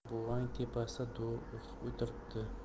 buvang tepasida duo o'qib o'tiribdi